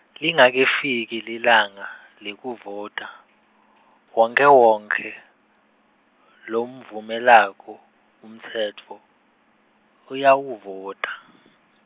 Lingakefiki lilanga lekuvota , wonkhewonkhe, lomvumelako, umtsetfo, uyawuvota.